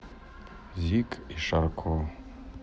зик и шарко